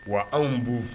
Wa anw'